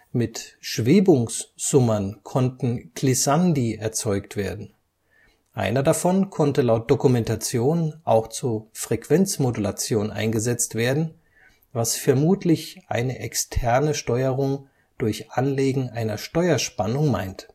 Mit Schwebungssummern konnten Glissandi erzeugt werden, einer davon konnte laut Dokumentation auch zur Frequenzmodulation eingesetzt werden, was vermutlich eine externe Steuerung durch Anlegen einer Steuerspannung meint